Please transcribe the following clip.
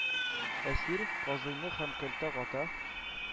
Әсир, казыйны һәм Кәлтә Гата